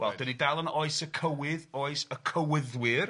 Wel dan ni dal yn oes y cywydd oes y cywyddwyr.